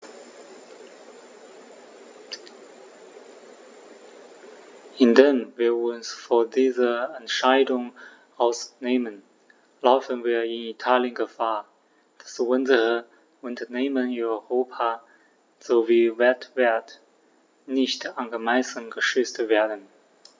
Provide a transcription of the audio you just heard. Indem wir uns von dieser Entscheidung ausnehmen, laufen wir in Italien Gefahr, dass unsere Unternehmen in Europa sowie weltweit nicht angemessen geschützt werden.